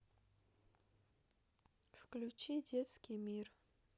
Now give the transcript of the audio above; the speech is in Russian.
включи детский мир